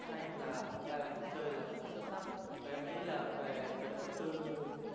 thưa anh là ba bạn cùng chơi là khá xuất sắc và em nghĩ là về khởi động thứ tư